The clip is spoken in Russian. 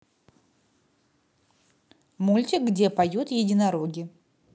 мультик где поют единороги